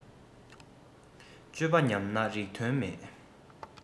སྤྱོད པ ཉམས ན རིགས དོན མེད